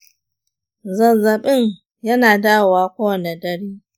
zazzabin yana dawowa kowane dare.